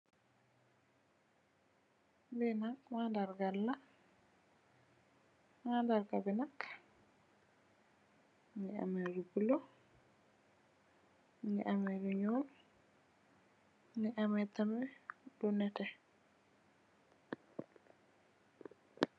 Bii nak mandarr gah la, mandarr gah bii nak mungy ameh lu bleu, mungy ameh lu njull, mungy ameh tamit lu nehteh.